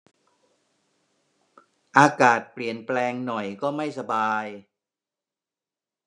อากาศเปลี่ยนแปลงหน่อยก็ไม่สบาย